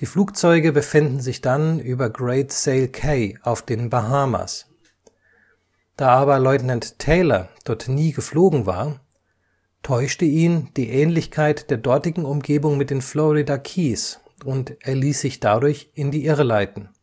Die Flugzeuge befänden sich dann über Great Sale Cay auf den Bahamas. Da aber Lieutenant Taylor dort nie geflogen war, täuschte ihn die Ähnlichkeit der dortigen Umgebung mit den Florida Keys, und er ließ sich dadurch in die Irre leiten